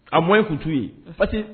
A moyen tun t'u ye, parce que